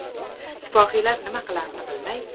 sipohiylar nima qilarlarini bilmay